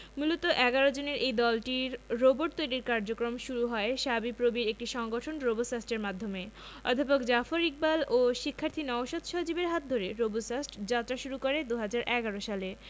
মূলত ১১ জনের এই দলটির রোবট তৈরির কার্যক্রম শুরু হয় শাবিপ্রবির একটি সংগঠন রোবোসাস্টের মাধ্যমে অধ্যাপক জাফর ইকবাল ও শিক্ষার্থী নওশাদ সজীবের হাত ধরে রোবোসাস্ট যাত্রা শুরু করে ২০১১ সালে